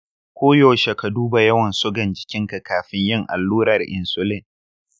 ko yaushe ka duba yawan sugan jininka kafin yin allurar insulin.